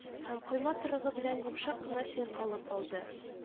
Һәм койма торыгы белән йомшак кына чайкалып алды